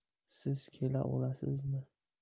siz kelaolasizmi